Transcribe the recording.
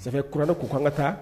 Sɛgɛ kurauranna ko kanan ka taa